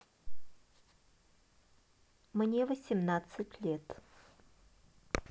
мне восемнадцать лет